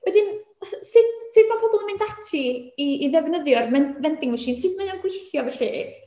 Wedyn, fatha sut sut ma' pobl yn mynd ati i i ddefnyddio'r men- vending machine? Sut mae o'n gweithio felly?